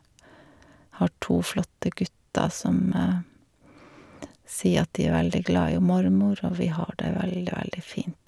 Har to flotte gutter som sier at de er veldig glad i hun mormor, og vi har det veldig, veldig fint.